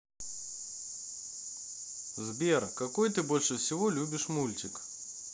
сбер какой ты больше всего любишь мультик